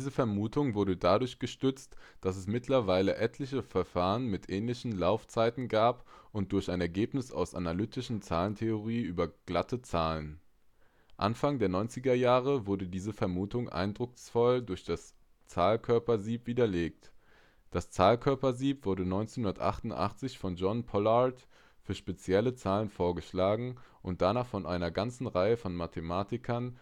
Vermutung wurde dadurch gestützt, dass es mittlerweile etliche Verfahren mit ähnlichen Laufzeiten gab, und durch ein Ergebnis aus der analytischen Zahlentheorie über glatte Zahlen. Anfang der Neunzigerjahre wurde diese Vermutung eindrucksvoll durch das Zahlkörpersieb widerlegt. Das Zahlkörpersieb wurde 1988 von John Pollard für spezielle Zahlen vorgeschlagen und danach von einer ganzen Reihe von Mathematikern